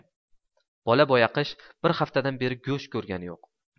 bola boyaqish bir haftadan beri go'sht ko'rgani yo'q